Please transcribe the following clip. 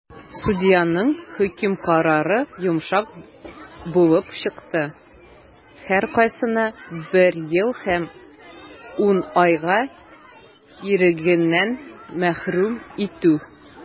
Судьяның хөкем карары йомшак булып чыкты - һәркайсына бер ел һәм 10 айга ирегеннән мәхрүм итү.